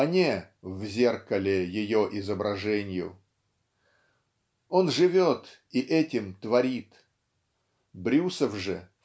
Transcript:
а не "в зеркале ее изображенью". Он живет и этим творит -- Брюсов же